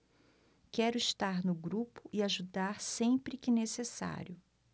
quero estar no grupo e ajudar sempre que necessário